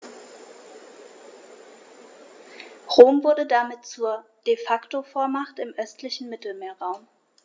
Rom wurde damit zur ‚De-Facto-Vormacht‘ im östlichen Mittelmeerraum.